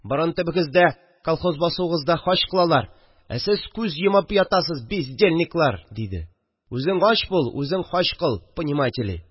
– борын төбегездә, колхоз басуыгызда хаҗ кылалар, ә сез күз йомып ятасыз, бездельниклар, – диде. – үзең ач бул, үзең хаҗ кыл, понимаете ли